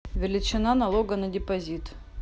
величина налога на депозит